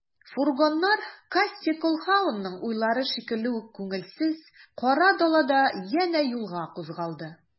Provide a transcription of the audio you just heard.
Фургоннар Кассий Колһаунның уйлары шикелле үк күңелсез, кара далада янә юлга кузгалды.